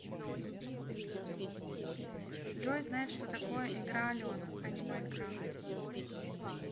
джой знает что такое игра алена а не minecraft